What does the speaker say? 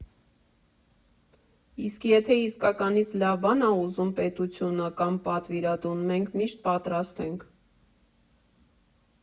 Իսկ եթե իսկականից լավ բան ա ուզում պետությունը, կամ պատվիրատուն, մենք միշտ պատրաստ ենք։